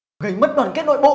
gây mất đoàn kết nội bộ